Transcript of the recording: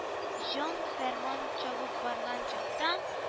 Җан-фәрман чабып барган чакта